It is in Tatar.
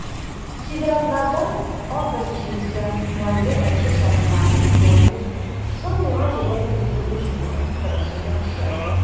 Сидератлардан (ак горчица, майлы әче шалкан, донник) соң булган җирдә көзге уҗымның торышы яхшы.